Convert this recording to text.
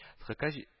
ТКХ җи